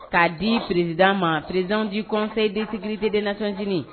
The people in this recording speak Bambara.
K'a di siririsid ma prizdi kɔnfɛ desibiridd naconceni